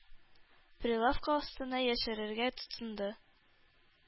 Прилавка астына яшерергә тотынды.